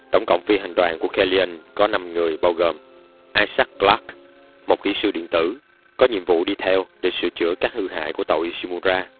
tổng cộng phi hành đoàn của kellion có người bao gồm isaac một kỹ sư điện tử có nhiệm vụ đi theo để sửa chữa các hư hại của tàu ishimura